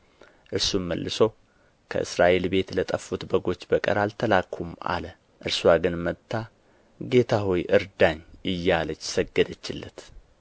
እርሱም መልሶ ከእስራኤል ቤት ለጠፉት በጎች በቀር አልተላክሁም አለ እርስዋ ግን መጥታ ጌታ ሆይ እርዳኝ እያለች ሰገደችለት